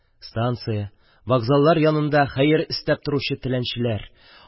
Станция, вокзаллар янында хәер эстәп торучы теләнчеләр...